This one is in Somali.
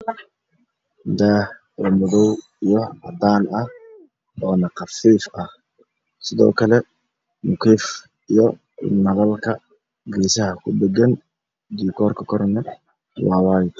Daah oo madow iyo cadaan ah oo qafiif ah sidoo kale mukeyf iyo nalal ayaa kudhagan.